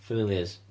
Familiars.